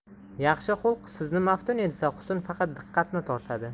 yaxshi xulq sizni maftun etsa husn faqat diqqatni tortadi